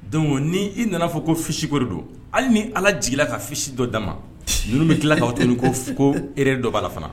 Don n i nana fɔ ko fisiko de don hali ni ala jiginla ka fisi dɔ da ma ninnu bɛ tila ka tɛ ko ko er dɔ b' la fana